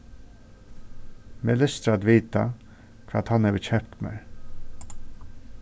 meg lystir at vita hvat hann hevur keypt mær